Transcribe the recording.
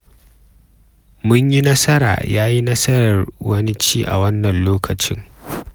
Mun yi nasara ya yi nasarar wani ci a wannan lokacin.”